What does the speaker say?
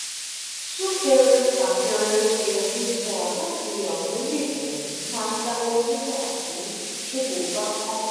Súnkẹrẹ-fàkẹrẹ orí ayélujára láti àwọn orílẹ̀-èdè wọ̀nyìí máa ń dáwọ́ nígbà tí kébù bá kán.